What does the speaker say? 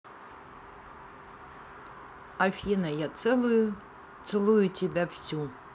афина я целую тебя всю